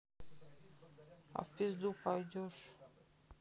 а в пизду пойдешь